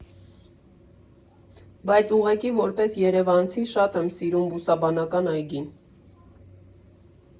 Բայց ուղղակի որպես երևանցի շատ եմ սիրում Բուսաբանական այգին։